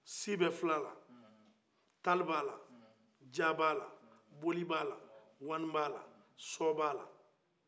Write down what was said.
si bɛ fila la tali bɛ a la ja bɛ a la boli bɛ a la wani bɛ a la sɔ bɛ a la